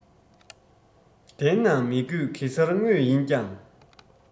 འདན ན མི དགོས གེ སར དངོས ཡིན ཀྱང